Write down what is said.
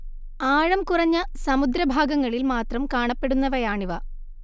ആഴംകുറഞ്ഞ സമുദ്രഭാഗങ്ങളിൽ മാത്രം കാണപ്പെടുന്നവയാണിവ